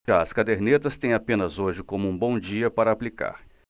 já as cadernetas têm apenas hoje como um bom dia para aplicar